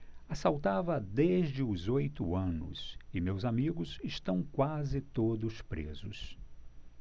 assaltava desde os oito anos e meus amigos estão quase todos presos